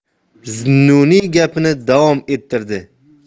zunnuniy gapini davom ettirdi